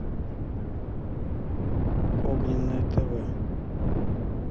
огненное тв